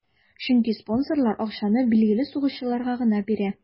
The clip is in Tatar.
Чөнки спонсорлар акчаны билгеле сугышчыларга гына бирә.